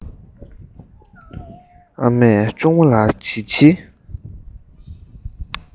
ཨ མས གཅུང མོ ལ བྱིལ བྱིལ